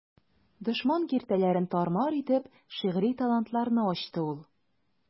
Дошман киртәләрен тар-мар итеп, шигъри талантларны ачты ул.